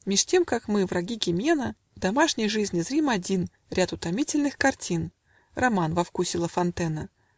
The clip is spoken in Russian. Меж тем как мы, враги Гимена, В домашней жизни зрим один Ряд утомительных картин, Роман во вкусе Лафонтена.